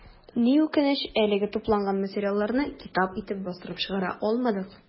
Ни үкенеч, әлегә тупланган материалларны китап итеп бастырып чыгара алмадык.